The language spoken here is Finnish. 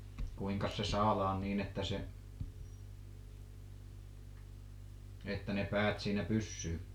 kuinkas se saadaan niin että se että ne päät siinä pysyy